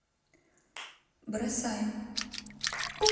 бросаю